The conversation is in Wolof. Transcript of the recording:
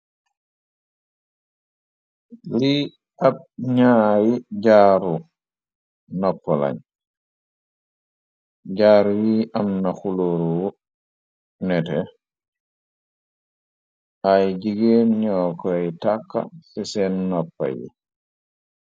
Li ab ñaari jaaru noppalañ jaaru yiy am na xuluuru nete ay jigéen ñoo koy tàkka te seen noppa yi.